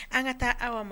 An ŋa taa Awa m